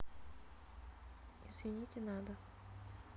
извините надо